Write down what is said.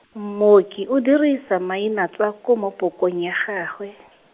mmoki o dirisa mainatswako mo pokong ya gagwe .